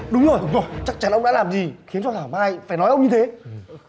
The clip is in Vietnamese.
đúng rồi đúng rồi chắc chắn ông đã làm gì khiến cho thảo mai phải nói ông như thế